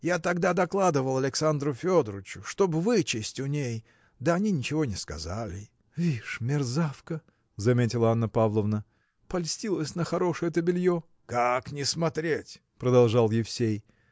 Я тогда докладывал Александру Федорычу чтоб вычесть у ней да они ничего не сказали. – Видишь мерзавка – заметила Анна Павловна – польстилась на хорошее-то белье! – Как не смотреть! – продолжал Евсей.